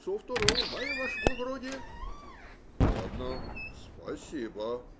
- Со второго мая, ваше благородие. - Ладно. Спасибо.